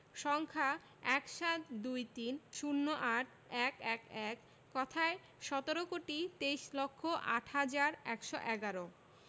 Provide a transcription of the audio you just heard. সংখ্যাঃ ১৭ ২৩ ০৮ ১১১ কথায়ঃ সতেরো কোটি তেইশ লক্ষ আট হাজার একশো এগারো